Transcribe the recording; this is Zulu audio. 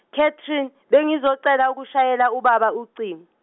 Catherine, bengizocela ukushayela ubaba ucingo.